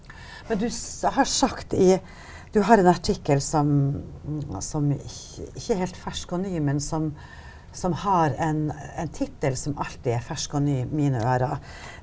men du har sagt i du har en artikkel som som ikke ikke er helt fersk og ny, men som som har en en tittel som alltid er fersk og ny i mine ører.